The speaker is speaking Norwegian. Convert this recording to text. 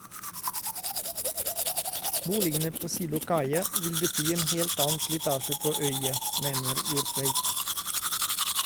Boligene på Silokaia vil bety en helt annen slitasje på øya, mener Jortveit.